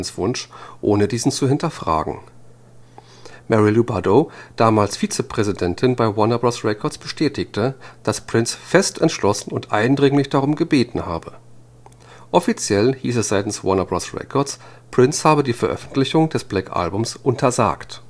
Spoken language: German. Wunsch, ohne diesen zu hinterfragen. Marylou Badeaux, damals Vizepräsidentin bei Warner Bros. Records, bestätigte, dass Prince fest entschlossen und eindringlich darum gebeten habe. Offiziell hieß es seitens Warner Bros. Records, Prince habe die Veröffentlichung des Black Album untersagt